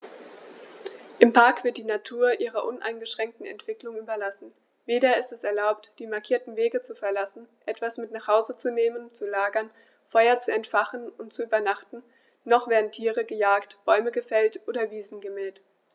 Im Park wird die Natur ihrer uneingeschränkten Entwicklung überlassen; weder ist es erlaubt, die markierten Wege zu verlassen, etwas mit nach Hause zu nehmen, zu lagern, Feuer zu entfachen und zu übernachten, noch werden Tiere gejagt, Bäume gefällt oder Wiesen gemäht.